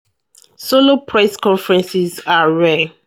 Solo press conferences are rare.